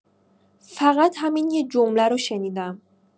فقط همین یه جمله رو شنیدم.